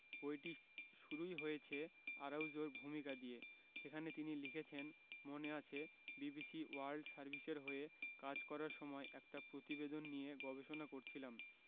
বইটি শুরুই হয়েছে আরাউজোর ভূমিকা দিয়ে সেখানে তিনি লিখেছেন মনে আছে বিবিসি ওয়ার্ল্ড সার্ভিসের হয়ে কাজ করার সময় একটা প্রতিবেদন নিয়ে গবেষণা করছিলাম